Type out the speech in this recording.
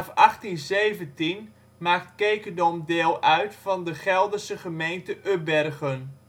1817 maakt Kekerdom deel uit van de Gelderse gemeente Ubbergen